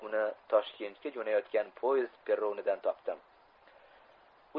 uni toshkentga jo'nayotgan poezd perronidan topdim